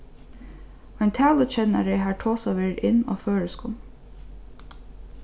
ein talukennari har tosað verður inn á føroyskum